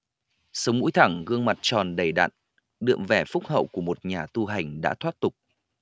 sống mũi thẳng gương mặt tròn đầy đặn đượm vẻ phúc hậu của một nhà tu hành đã thoát tục